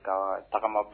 Ka tagama